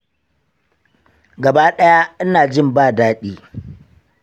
gaba-ɗaya ina jin ba daɗi.